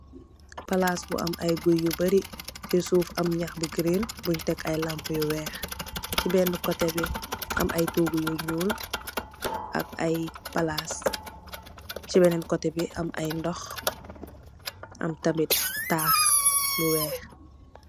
Palaas bu am ai gui yu bari si suf am nyang bu geren bun tek lampa yu weyh si benna koteh bi am ai togu yu ñuul ak ai palaas.si beneen koteh bi am ai ndug ak tat yu weyh.